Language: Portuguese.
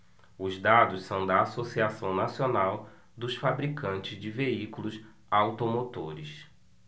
os dados são da anfavea associação nacional dos fabricantes de veículos automotores